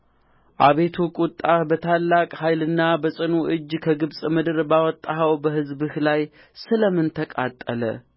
አቤቱ ቍጣህ በታላቅ ኃይልና በጽኑ እጅ ከግብፅ ምድር ባወጣኸው በሕዝብህ ላይ ስለ ምን ተቃጠለ